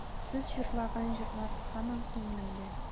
Сез җырлаган җырлар һаман күңелемдә.